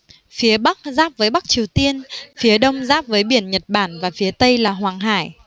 phía bắc giáp với bắc triều tiên phía đông giáp với biển nhật bản và phía tây là hoàng hải